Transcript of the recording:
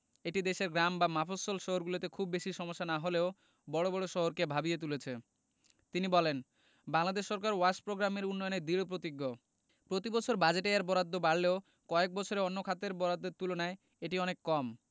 এটি দেশের গ্রাম বা মাফস্বল শহরগুলোতে খুব বেশি সমস্যা না হলেও বড় বড় শহরকে ভাবিয়ে তুলেছে তিনি বলেন বাংলাদেশ সরকার ওয়াশ প্রোগ্রামের উন্নয়নে দৃঢ়প্রতিজ্ঞ প্রতিবছর বাজেটে এর বরাদ্দ বাড়লেও কয়েক বছরে অন্য খাতের বরাদ্দের তুলনায় এটা অনেক কম